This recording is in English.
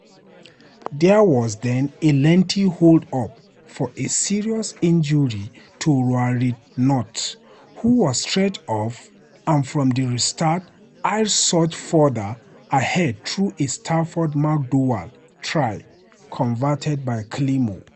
There was then a lengthy hold-up for a serious injury to Ruaridh Knott, who was stretchered off, and from the restart, Ayr surged further ahead through a Stafford McDowall try, converted by Climo.